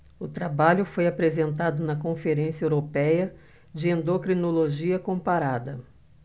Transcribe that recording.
o trabalho foi apresentado na conferência européia de endocrinologia comparada